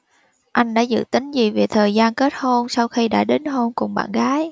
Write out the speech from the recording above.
anh đã dự tính gì về thời gian kết hôn sau khi đã đính hôn cùng bạn gái